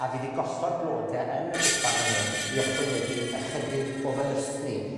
a fi 'di gosod blode yn y gwpan fan hyn, i ychwanegu ychydig o felysni,